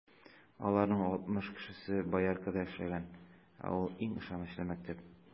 Аларның алтмыш кешесе Бояркада эшләгән, ә ул - иң ышанычлы мәктәп.